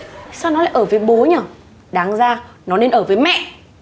sao nó lại ở với bố nhờ đáng ra nó nên ở với mẹ